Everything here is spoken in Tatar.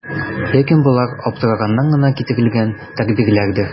Ләкин болар аптыраганнан гына китерелгән тәгъбирләрдер.